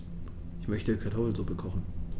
Ich möchte Kartoffelsuppe kochen.